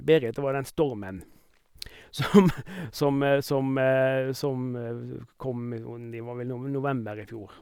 Berit, det var jo den stormen som som som som kom i sånn det var vel nove november i fjor.